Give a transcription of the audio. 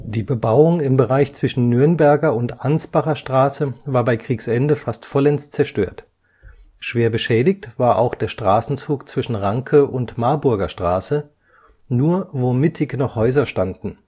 die Bebauung im Bereich zwischen Nürnberger und Ansbacher Straße war bei Kriegsende fast vollends zerstört, schwer beschädigt war auch der Straßenzug zwischen Ranke - und Marburger Straße, wo nur mittig noch Häuser standen